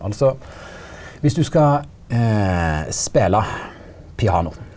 altså viss du skal spela piano.